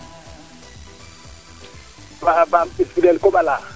*